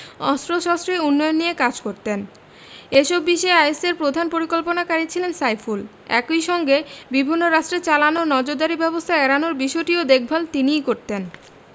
অস্ত্রশস্ত্রের উন্নয়ন নিয়ে কাজ করতেন এসব বিষয়ে আইএসের প্রধান পরিকল্পনাকারী ছিলেন সাইফুল একই সঙ্গে বিভিন্ন রাষ্ট্রের চালানো নজরদারি ব্যবস্থা এড়ানোর বিষয়টিও দেখভাল তিনিই করতেন